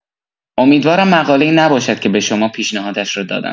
امیدوارم مقاله‌ای نباشد که به شما پیشنهادش را دادم.